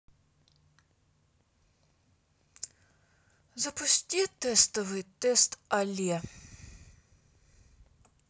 запусти тестовый тест але